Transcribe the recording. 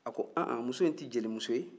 a ko ɔn-ɔn muso in tɛ jelimuso ye